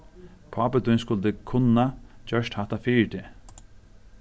pápi tín skuldi kunnað gjørt hatta fyri teg